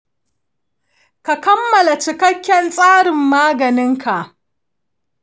ka kammala cikakken tsarin maganinka?